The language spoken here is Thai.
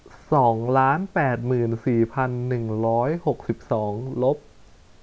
สองล้านแปดหมื่นสี่พันหนึ่งร้อยหกสิบสองลบ